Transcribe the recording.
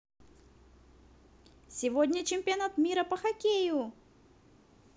сегодня чемпионат мира по хоккею